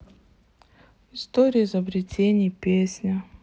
история изобретений песня